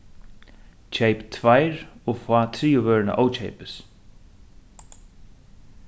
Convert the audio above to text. keyp tveir og fá triðju vøruna ókeypis